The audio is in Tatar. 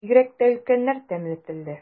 Бигрәк тә өлкәннәр тәмле телле.